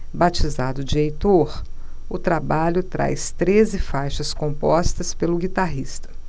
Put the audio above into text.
batizado de heitor o trabalho traz treze faixas compostas pelo guitarrista